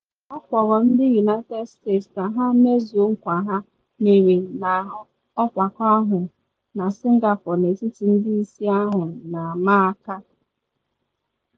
Ọ kpọrọ ndị United States ka ha mezuo nkwa ha mere na n’ọgbakọ ahụ na Singapore n’etiti ndị isi ahụ na ama aka.